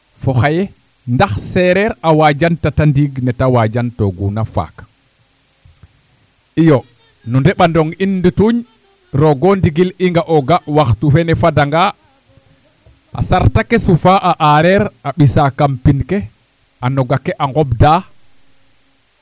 fo xaye ndax seereer a wajantata ndiig neta wajantooguna faak iyo no ndeɓandong in tutuñ roog o ndigil i nga'ooga waxtu wene fadanga a sarta ke a sufa a aareer a ɓisaa kam pin ke a noga ke a nqobda